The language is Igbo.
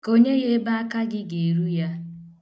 Konye ya ebe aka gị ga-eru ya.